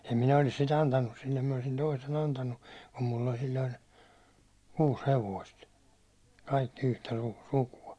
en minä olisi sitä antanut sille minä olisin toisen antanut kun minulla oli silloin kuusi hevosta kaikki yhtä - sukua